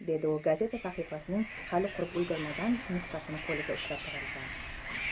dedi u gazeta sahifasining hali qurib ulgurmagan nusxasini qo'liga ushlab turar ekan